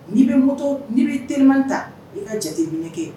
N'i bɛ moto n'i bɛ teeliman ta i ka jateminɛ kɛ